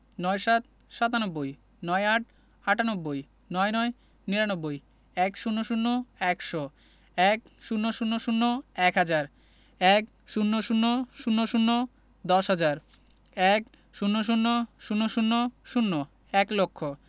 ৯৭ – সাতানব্বই ৯৮ - আটানব্বই ৯৯ - নিরানব্বই ১০০ – একশো ১০০০ – এক হাজার ১০০০০ দশ হাজার ১০০০০০ এক লক্ষ